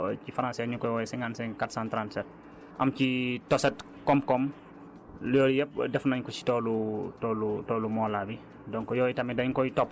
ñu bëri xam nañ ko ci fraçais ñu koy wooyee cinquante cinq quatre cent trente sept am ci tos ak kom-kom yooyu yépp def nañ ko ci toolu toolu toolu Mawla bi